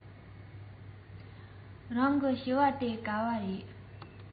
རང གི ཕྱུ པ དེ ག པར ཡོད